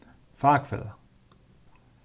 fakfelag